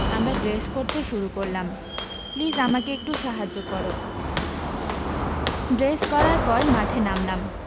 আমরা ড্রেস করতে সুরু করলাম প্লিজ আমাকে একটু সাহায্য করো ড্রেস করার পর মাঠে নামলাম